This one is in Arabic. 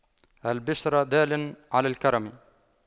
الْبِشْرَ دال على الكرم